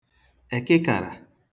èkịkàrà